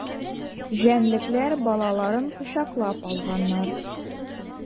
Җәнлекләр балаларын кочаклап алганнар.